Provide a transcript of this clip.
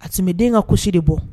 A den ka gosisi de bɔ